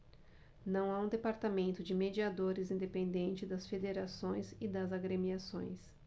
não há um departamento de mediadores independente das federações e das agremiações